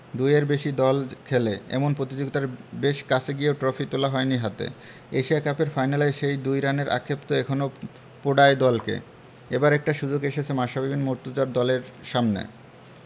দুইয়ের বেশি দল খেলে এমন পতিযোগিতার বেশ কাছে গিয়েও ট্রফি তোলা হয়নি হাতে এশিয়া কাপের ফাইনালের সেই ২ রানের আক্ষেপ তো এখনো পোড়ায় দলকে এবার একটা সুযোগ এসেছে মাশরাফি বিন মুর্তজার দলের সামনে